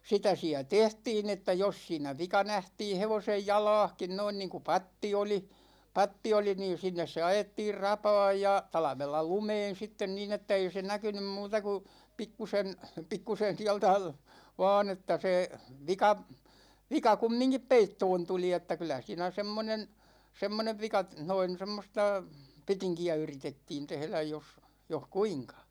sitä siellä tehtiin että jos siinä vika nähtiin hevosen jalassakin noin niin kuin patti oli patti oli niin sinne se ajettiin rapaan ja talvella lumeen sitten niin että ei se näkynyt muuta kuin pikkuisen pikkuisen sieltä vain että se vika vika kumminkin peittoon tuli että kyllä siinä semmoinen semmoinen vika noin semmoista petinkiä yritettiin tehdä jos jos kuinka